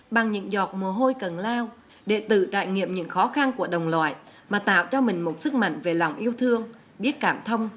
bằng những giọt mồ hôi cần lao đệ tử trải nghiệm những khó khăn của đồng loại mà tạo cho mình một sức mạnh về lòng yêu thương biết cảm thông